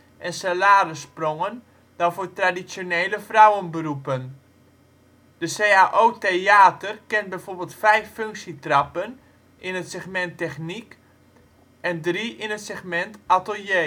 en salarissprongen dan voor traditionele vrouwenberoepen. De CAO Theater kent bijvoorbeeld vijf functietrappen in het segment Techniek en drie in het segment Atelier